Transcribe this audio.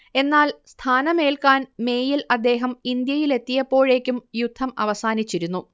എന്നാൽ സ്ഥാനമേൽക്കാൻ മേയിൽ അദ്ദേഹം ഇന്ത്യയിലെത്തിയപ്പോഴേക്കും യുദ്ധം അവസാനിച്ചിരുന്നു